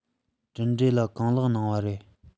གྲུབ འབྲས ལ གང ལེགས གནང བ རེད